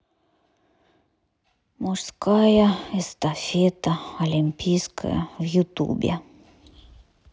мужская эстафета олимпийская в ютубе